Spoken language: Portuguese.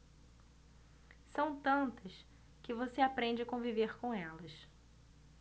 são tantas que você aprende a conviver com elas